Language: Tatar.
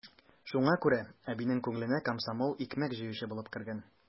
Шуңа күрә әбинең күңеленә комсомол икмәк җыючы булып кергән.